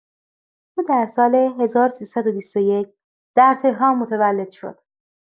او در سال ۱۳۲۱ در تهران متولد شد.